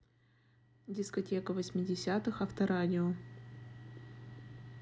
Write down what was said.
дискотека восьмидесятых авторадио